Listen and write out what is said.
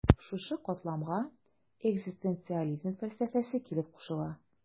Шушы катламга экзистенциализм фәлсәфәсе килеп кушыла.